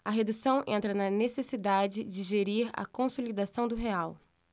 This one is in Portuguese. a redução entra na necessidade de gerir a consolidação do real